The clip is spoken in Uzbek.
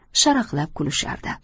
sharaqlab kulishardi